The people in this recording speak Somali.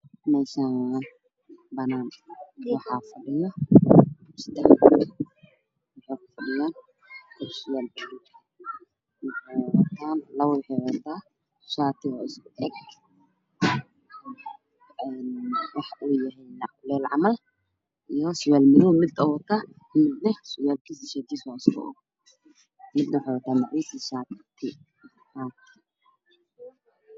Meeshaani waa banaan waxaa fadhiya sedex wiil waxeey ku fadhiyaan kuraas buluug ah labo waxay wataan Shaati isku ek waxa uu yahay ninac ninac camal iyo shaati madow minda uu wataa minda Surwaalkiisa iyo shatikiisa waa isku ek minda waxa uu wataa macawiis iyo shaati